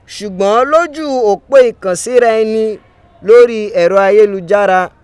Sugbọn loju opo ikansira ẹni lori ẹrọ ayelujara.